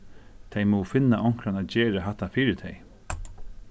tey mugu finna onkran at gera hatta fyri tey